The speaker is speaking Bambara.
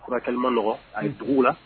Klima n nɔgɔ a dugu la